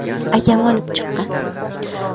akam olib chiqqan